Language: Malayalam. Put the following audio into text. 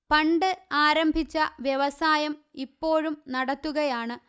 പണ്ട് ആരംഭിച്ച വ്യവസായം ഇപ്പോഴും നടത്തുകയാണ്